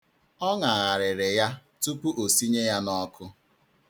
Ọ ṅagharịrị ya tupu o sinye ya n'ọkụ.